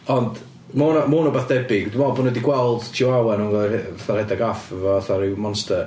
Ond ma' hwnna ... ma' hwn yn rywbeth debyg. Dwi'n meddwl bod nhw 'di gweld Chihuahua neu rywbeth fatha rhedeg off efo fatha ryw monster.